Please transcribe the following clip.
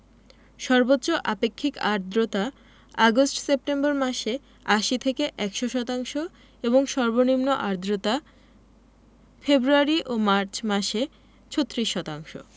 সর্বোচ্চ আপেক্ষিক আর্দ্রতা আগস্ট সেপ্টেম্বর মাসে ৮০ থেকে ১০০ শতাংশ এবং সর্বনিম্ন আর্দ্রতা ফেব্রুয়ারি ও মার্চ মাসে ৩৬ শতাংশ